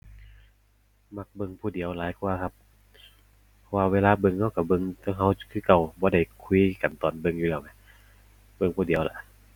มักเบิ่งผู้เดียวหลายกว่าครับ เพราะว่าเวลาเบิ่งเราเราเบิ่งแต่เรา คือเก่า บ่ได้คุยกันตอนเบิ่งอยู่แล้วแหม เบิ่งผู้เดียวล่ะ